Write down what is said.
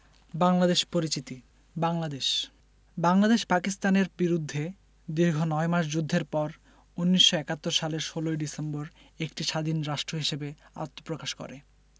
বাংলাদেশপরিচিতি বাংলাদেশ বাংলাদেশ পাকিস্তানের বিরুদ্ধে দীর্ঘ নয় মাস যুদ্ধের পর ১৯৭১ সালের ১৬ ডিসেম্বর একটি স্বাধীন রাষ্ট্র হিসেবে আত্মপ্রকাশ করে